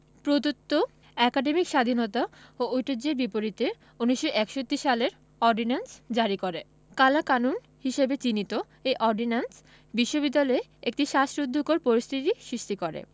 প্রদত্ত একাডেমিক স্বাধীনতা ও ঐতিহ্যের বিপরীতে ১৯৬১ সালের অর্ডিন্যান্স জারি করে কালাকানুন হিসেবে চিহ্নিত এ অর্ডিন্যান্স বিশ্ববিদ্যালয়ে একটি শ্বাসরুদ্ধকর পরিস্থিতির সৃষ্টি করে